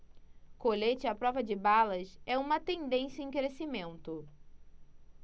colete à prova de balas é uma tendência em crescimento